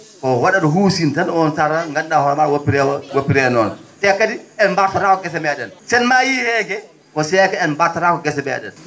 o wa?at huusi? tan on tawata nganndu?aa hoore maa woppiree woppiree noon te kadi en mbartotaako gese mee?en so en maayii heege ko seede en mbartotaako gese mee?en